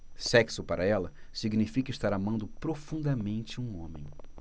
sexo para ela significa estar amando profundamente um homem